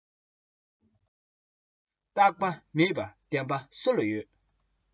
རྟག པ མེད པར བདེན པ སུ ལ ཡོད